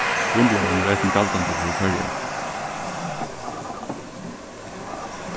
grundlógin eisini er galdandi fyri føroyar